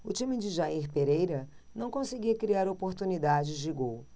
o time de jair pereira não conseguia criar oportunidades de gol